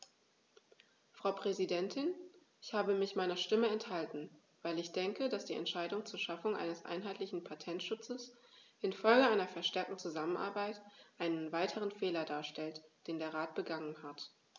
Frau Präsidentin, ich habe mich meiner Stimme enthalten, weil ich denke, dass die Entscheidung zur Schaffung eines einheitlichen Patentschutzes in Folge einer verstärkten Zusammenarbeit einen weiteren Fehler darstellt, den der Rat begangen hat.